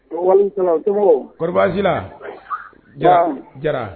Koji jara jara